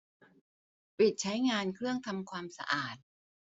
ปิดใช้งานเครื่องทำความสะอาด